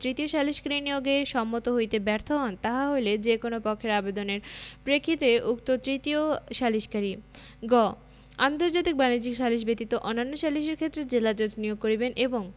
তৃতীয় সালিসকারী নিয়োগে সম্মত হইতে ব্যর্থ হন তাহা হইলে যে কোন পক্ষের আবেদনের প্রেক্ষিতে উক্ত তৃতীয় সালিসকারী গ আন্তর্জাতিক বাণিজ্যিক সালিস ব্যতীত অন্যান্য সালিসের ক্ষেত্রে জেলাজজ নিয়োগ করিবেন এবং